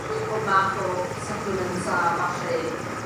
trio pob math o suplements a ballu.